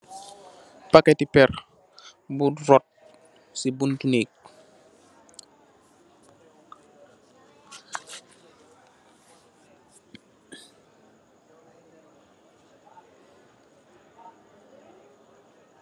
Paketti peer bu rot ci butti nèk .